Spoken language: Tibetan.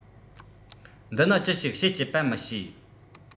འདི ནི ཅི ཞིག བྱེད སྤྱད པ མི ཤེས